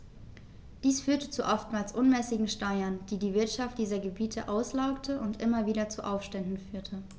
Dies führte zu oftmals unmäßigen Steuern, die die Wirtschaft dieser Gebiete auslaugte und immer wieder zu Aufständen führte.